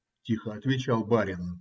- тихо отвечал "барин".